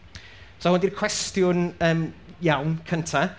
So hwn di'r cwestiwn yym iawn, cynta.